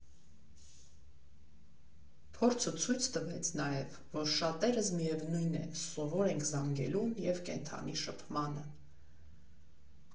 Փորձը ցույց տվեց նաև, որ շատերս, միևնույն է, սովոր ենք զանգելուն և կենդանի շփմանը։